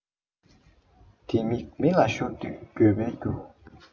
ལྡེ མིག མི ལ ཤོར དུས འགྱོད པའི རྒྱུ